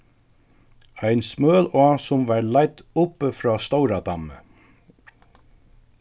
ein smøl á sum var leidd uppi frá stóradammi